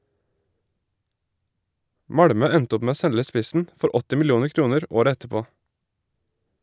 Malmö endte opp med å selge spissen for 80 millioner kroner året etterpå.